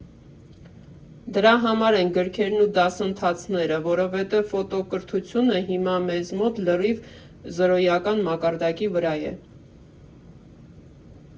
Դրա համար են գրքերն ու դասընթացները, որովհետև ֆոտոկրթությունը հիմա մեզ մոտ լրիվ զրոյական մակարդակի վրա է»։